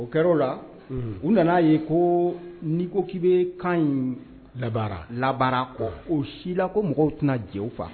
O kɛra o la u nana ye ko nikoki bɛ kan in la la kɔ o si la ko mɔgɔw tɛna jɛ faa